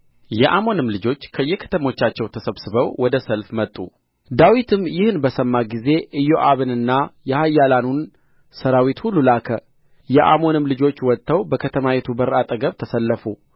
የአሞንም ልጆች ከየከተሞቻቸው ተሰብስበው ወደ ሰልፍ መጡ ዳዊትም ይህ በሰማ ጊዜ ኢዮአብንና የኃያላኑን ሠራዊት ሁሉ ላከ የአሞንም ልጆች ወጥተው በከተማይቱ በር አጠገብ ተሰለፉ